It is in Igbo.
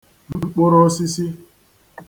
mkpụrụosisi